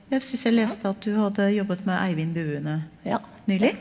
jeg syns jeg leste at du hadde jobbet med Eivind Buene nylig.